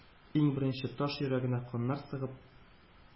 Иң беренче таш йөрәге каннар сыгып,